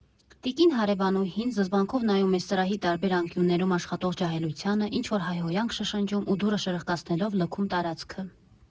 Տիկին հարևանուհին զզվանքով նայում է սրահի տարբեր անկյուններում աշխատող ջահելությանը, ինչ֊որ հայհոյանք շշնջում ու դուռը շրխկացնելով լքում տարածքը։